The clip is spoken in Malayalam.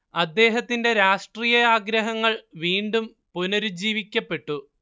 അദ്ദേഹത്തിന്റെ രാഷ്ട്രീയാഗ്രഹങ്ങൾ വീണ്ടും പുനരുജ്ജീവിക്കപ്പെട്ടു